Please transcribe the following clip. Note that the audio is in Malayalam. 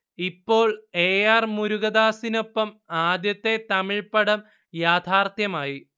ഇപ്പോൾ എ ആർ മുരുഗദാസിനോടൊപ്പം ആദ്യത്തെ തമിഴ് പടം യാഥാർഥ്യമായി